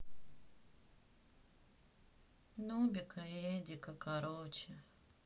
нубика и эдика короче